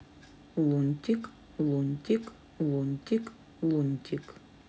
лунтик лунтик лунтик лунтик